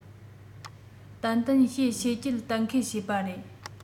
ཏན ཏན བྱེད ཤེས ཀྱི གཏན འཁེལ བྱས པ རེད